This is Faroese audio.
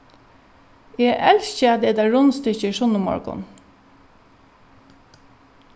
eg elski at eta rundstykkir sunnumorgun